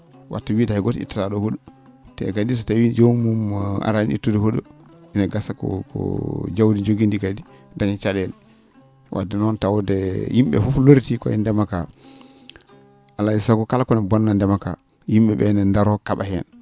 watte wiide hay gooto ittata?o hu?o te kadi so tawii joomum araani ittude hu?o ne gasa ko jawdi jogii ndii kadi daña ca?eele wadde noon tawde yim?e fof loritii koye ndema kaa alaa e sago kala ko no bonna ndema kaa yim?e ?ee no ndaro ka?a heen